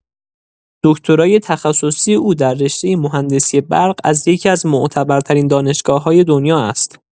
دکترای تخصصی او در رشته مهندسی برق از یکی‌از معتبرترین دانشگاه‌‌های دنیا است.